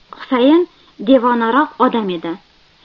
husayn devonaroq odam edi